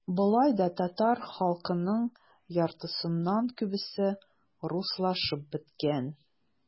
Болай да татар халкының яртысыннан күбесе - руслашып беткән.